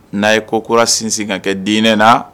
N'a ye ko kurara sinsin ka kɛ dinɛ na